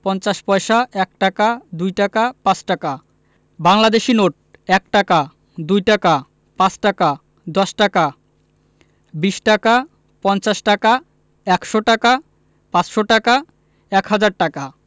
৫০ পয়সা ১ টাকা ২ টাকা ৫ টাকা বাংলাদেশি নোটঃ ১ টাকা ২ টাকা ৫ টাকা ১০ টাকা ২০ টাকা ৫০ টাকা ১০০ টাকা ৫০০ টাকা ১০০০ টাকা